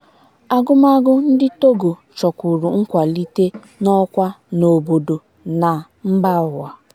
Agụmagụ ndị Togo chọkwuru nkwalite n'ọkwa n'obodo na mba ụwa.